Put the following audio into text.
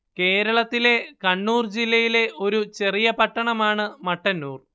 കേരളത്തിലെ കണ്ണൂര്‍ ജില്ലയിലെ ഒരു ചെറിയ പട്ടണമാണ് മട്ടന്നൂര്‍